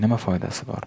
nima foydasi bor